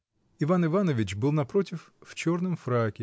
Иван Иванович был, напротив, в черном фраке.